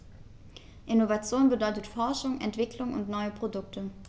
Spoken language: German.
Innovation bedeutet Forschung, Entwicklung und neue Produkte.